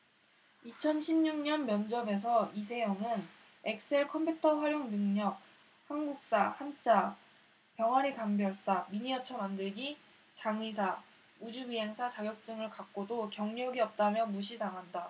이천 십 육 년 면접에서 이세영은 엑셀 컴퓨터활용능력 한국사 한자 병아리감별사 미니어처만들기 장의사 우주비행사 자격증을 갖고도 경력이 없다며 무시당한다